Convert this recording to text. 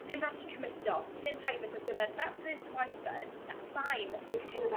sdim raid ti cymito os ti mynd private ar gyfer that first appointment that's fine. Fi'n cytuno 'dy...